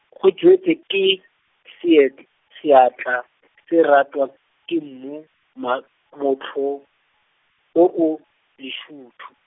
go jetswe ke, seetl- seatla, se ratwa, ke mmu, ma- matlho, o o, lesuthu.